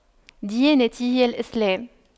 ديانتي هي الإسلام